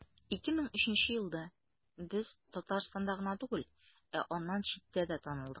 2003 елда без татарстанда гына түгел, ә аннан читтә дә танылдык.